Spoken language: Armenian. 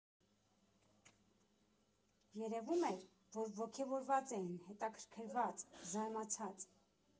Երևում էր, որ ոգևորված էին, հետաքրքրված, զարմացած։